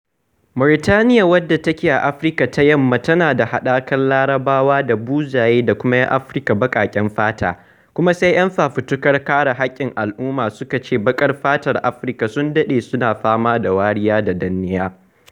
Mauritaniya wadda take a Afirka ta yamma tana da haɗakar Larabawa da Buzaye da kuma 'yan Afrika baƙaƙen fata, kuma sai 'yan fafutukar kare haƙƙin al'umma suka ce baƙar fatan Afirka sun daɗe suna fama da wariya da danniya.